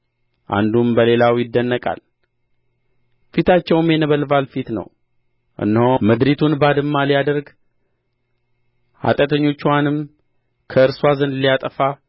አንዱም በሌላው ይደነቃል ፊታቸውም የነበልባል ፊት ነው እነሆ ምድሪቱን ባድማ ሊያደርግ ኃጢአተኞችዋንም ከእርስዋ ዘንድ ሊያጠፋ